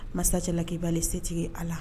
Masajan k'i' setigi a la